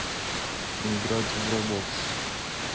играть в роблокс